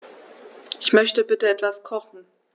Ich möchte bitte etwas kochen.